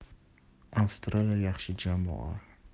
avstraliya yaxshi jamoa